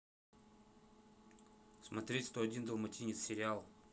смотреть сто один далматинец сериал